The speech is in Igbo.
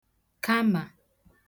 kamà